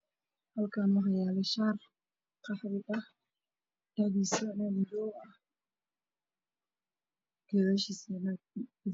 Halkaan waxaa yaalo shaar qaxwi ah, dhexdiisa madow ah, gadaashiisana waa cadaan.